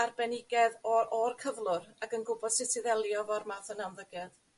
arbenigedd o o'r cyflwr ac yn gwbod sut i ddelio 'fo'r math yna o ymddygiad.